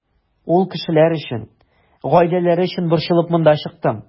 Ул кешеләр өчен, гаиләләре өчен борчылып монда чыктым.